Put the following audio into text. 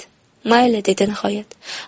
mayli dedi nihoyat